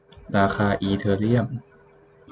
ราคาอีเธอเรียม